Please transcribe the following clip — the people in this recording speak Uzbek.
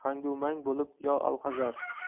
mang bo'lib yo alhazar